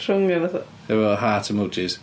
Rhwng y fatha... Efo heart emojis.